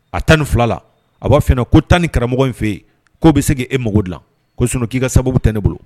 A tan ni filala a b'a f ko tan ni karamɔgɔ in fɛ yen'o bɛ se e mako dilan ko sun k'i ka sababu tɛ ne bolo